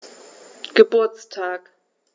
Geburtstag